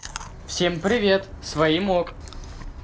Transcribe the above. всем привет своим ok